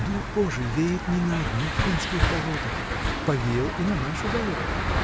— Дух Божий веет не на одних финских болотах: повеял и на наш уголок.